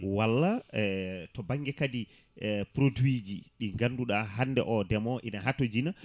walla e to banggue kadi e produit ji ɗi ganduɗa hande o ndeemowo ina haatojina